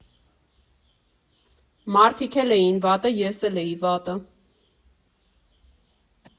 Մարդիկ էլ էին վատը, ես էլ էի վատը։